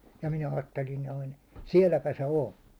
ja minä ajattelin noin sielläpä se on